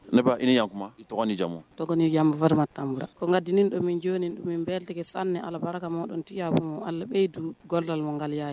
Ne b' i ni yakuma yamu farima tan ko n kad dɔ jɔn bɛɛ sa ni alabarara ka ma tɛ'be dun galakaya ye